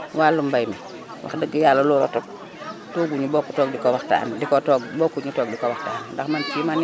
wàllum mbay mi wax dëgg yàlla loola tooguñu bokk toog di ko waxtaanee di ko toog bokkuñu toog di ko waxtanee ndax man fii ma ne